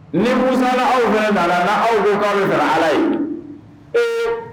Ni ni aw ko aw b'o sara Ala ye, ee